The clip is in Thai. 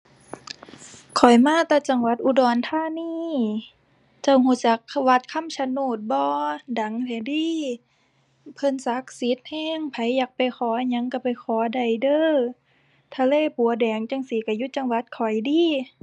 ข้อยมาแต่จังหวัดอุดรธานี เจ้ารู้จัก คะ วัดคำชะโนดบ่ ดังแท้เดะ เพิ่นศักดิ์สิทธิ์รู้ ไผอยากไปขออิหยังรู้ไปขอได้เด้อ ทะเลบัวแดงจั่งซี้รู้อยู่จังหวัดข้อยเดะ